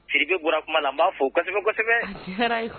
Si bɔra kuma na b'a fɔ kosɛbɛ kosɛbɛ